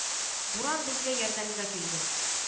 Буран безгә ярдәмгә килде